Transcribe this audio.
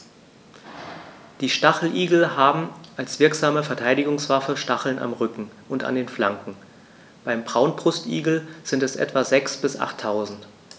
Die Stacheligel haben als wirksame Verteidigungswaffe Stacheln am Rücken und an den Flanken (beim Braunbrustigel sind es etwa sechs- bis achttausend).